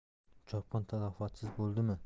chopqin talafotsiz bo'ldimi